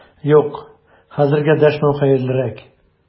Юк, хәзергә дәшмәү хәерлерәк!